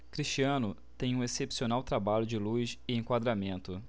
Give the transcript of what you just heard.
cristiano tem um excepcional trabalho de luz e enquadramento